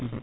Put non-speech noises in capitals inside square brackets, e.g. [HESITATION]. [HESITATION] [HESITATION]